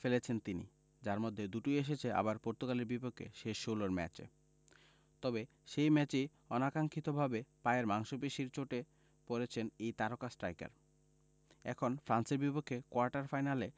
ফেলেছেন তিনি যার মধ্যে দুটোই এসেছে আবার পর্তুগালের বিপক্ষে শেষ ষোলোর ম্যাচে তবে সেই ম্যাচেই অনাকাঙ্ক্ষিতভাবে পায়ের মাংসপেশির চোটে পড়েছেন এই তারকা স্ট্রাইকার এখন ফ্রান্সের বিপক্ষে কোয়ার্টার ফাইনালে